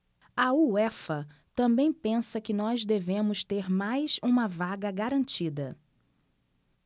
a uefa também pensa que nós devemos ter mais uma vaga garantida